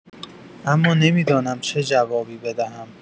اما نمی‌دانم چه جوابی بدهم.